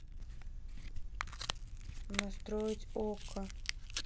настроить окко